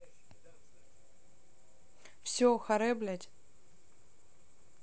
все харе блять